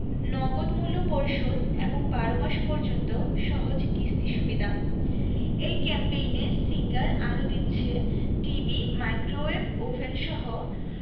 নগদ মূল্য পরিশোধ এবং ১২ মাস পর্যন্ত সহজ কিস্তি সুবিদা এই ক্যাম্পেইনে সিঙ্গার আরো দিচ্ছে টিভি মাইক্রোওয়েভ ওভেনসহ